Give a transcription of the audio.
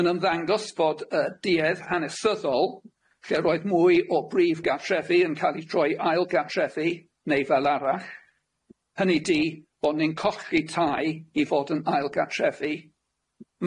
Ma'n ymddangos fod yy duedd hanesyddol lle roedd mwy o brif gartrefi yn ca'l i troi ail gartrefi neu fel arall, hynny di bod ni'n colli tai i fod yn ailgartrefi,